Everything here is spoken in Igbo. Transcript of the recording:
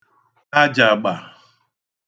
ajàgbà